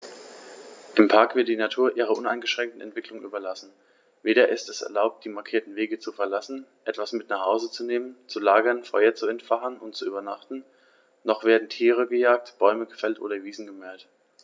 Im Park wird die Natur ihrer uneingeschränkten Entwicklung überlassen; weder ist es erlaubt, die markierten Wege zu verlassen, etwas mit nach Hause zu nehmen, zu lagern, Feuer zu entfachen und zu übernachten, noch werden Tiere gejagt, Bäume gefällt oder Wiesen gemäht.